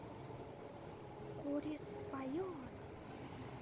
курица поет